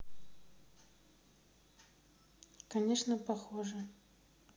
конечно похожи